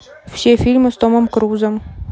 все фильмы с томом крузом